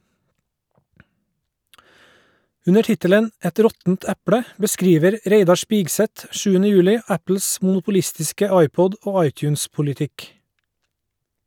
Under tittelen "Et råttent eple" beskriver Reidar Spigseth 7. juli Apples monopolistiske iPod- og iTunes-politikk.